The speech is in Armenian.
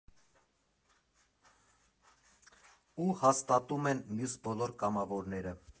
Ու հաստատում են մյուս բոլոր կամավորները։